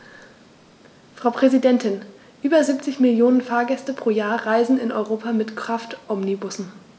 Frau Präsidentin, über 70 Millionen Fahrgäste pro Jahr reisen in Europa mit Kraftomnibussen.